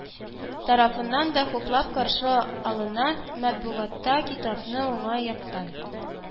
Тарафыннан да хуплап каршы алына, матбугатта китапны уңай яктан